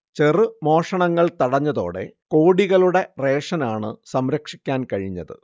ചെറുമോഷണങ്ങൾ തടഞ്ഞതോടെ കോടികളുടെ റേഷനാണ് സംരക്ഷിക്കാൻ കഴിഞ്ഞത്